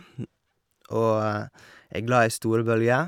Og er glad i store bølger.